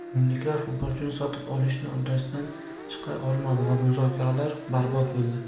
turinliklar futbolchini sotib olishni uddasidan chiqa olmadi va muzokaralar barbod bo'ldi